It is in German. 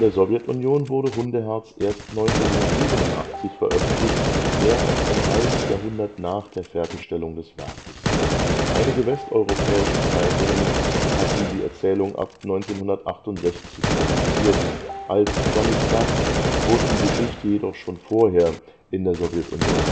Sowjetunion wurde Hundeherz erst 1987 veröffentlicht, mehr als ein halbes Jahrhundert nach der Fertigstellung des Werkes. Einige westeuropäische Zeitschriften hatten die Erzählung ab 1968 publiziert. Als Samisdat wurde die Geschichte jedoch schon vorher in der Sowjetunion